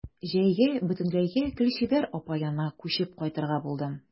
Җәйгә бөтенләйгә Гөлчибәр апа янына күчеп кайтырга булдым.